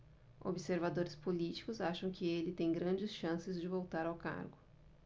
observadores políticos acham que ele tem grandes chances de voltar ao cargo